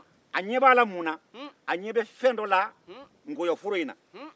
a ɲɛ be fɛn dɔ la nkɔyɔforo in na